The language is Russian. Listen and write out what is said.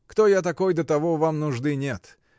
— Кто я такой — до того вам нужды нет.